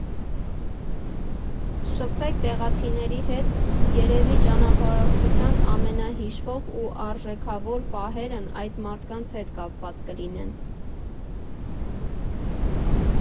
Շփվեք տեղացիների հետ, երևի ճանապարհորդության ամենահիշվող ու արժեքավոր պահերն այդ մարդկանց հետ կապված կլինեն։